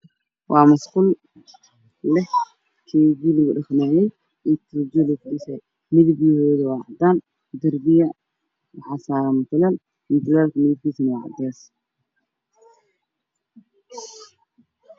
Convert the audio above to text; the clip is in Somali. Waa musqul leh kkilafu dhaqay midabkeedu waa cadaan darbiya waxasaran bilan midabkuna waa cadaan